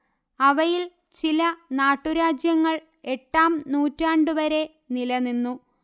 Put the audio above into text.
അവയിൽ ചില നാട്ടുരാജ്യങ്ങൾ എട്ടാം നൂറ്റാണ്ടുവരെ നിലനിന്നു